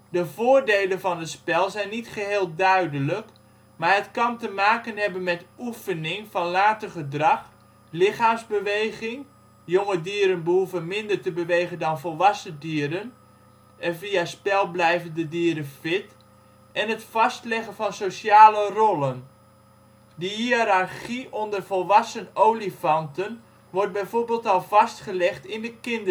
De voordelen van het spel zijn niet geheel duidelijk, maar het kan te maken hebben met oefening van later gedrag, lichaamsbeweging (jonge dieren hoeven minder te bewegen dan volwassen dieren, en via spel blijven de dieren fit) en het vastleggen van sociale rollen. De hiërarchie onder volwassen olifanten wordt bijvoorbeeld al vastgesteld